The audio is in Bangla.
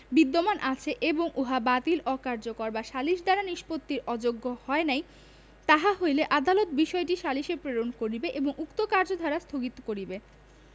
বিদ্যমান আছে এবং উহা বাতিল অকার্যকর বা সালিস দ্বারা নিষ্পত্তির অযোগ্য হয় নাই তাহা হইলে আদালত বিষয়টি সালিসে প্রেরণ করিবে এবং উক্ত কার্যধারা স্থগিত করিবে